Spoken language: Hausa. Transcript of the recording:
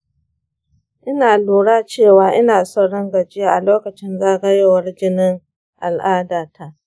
ina lura cewa ina saurin gajiya a lokacin zagayowar jinin al’adata.